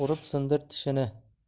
urib sindir tishini